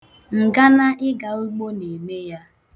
Ngana ịga ugbo na-eme ya.